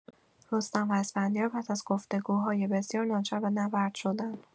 رستم و اسفندیار پس از گفتگوهای بسیار، ناچار به نبرد شدند.